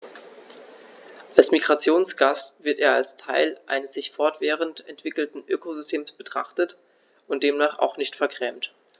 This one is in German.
Als Migrationsgast wird er als Teil eines sich fortwährend entwickelnden Ökosystems betrachtet und demnach auch nicht vergrämt.